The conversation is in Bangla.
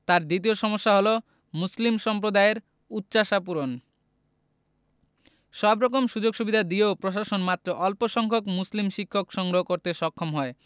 তাঁর দ্বিতীয় সমস্যা হলো মুসলিম সম্প্রদায়ের উচ্চাশা পূরণ সব রকম সুযোগসুবিধা দিয়েও প্রশাসন মাত্র অল্পসংখ্যক মুসলিম শিক্ষক সংগ্রহ করতে সক্ষম হয়